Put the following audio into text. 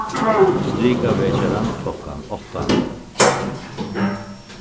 strika vekjaran klokkan átta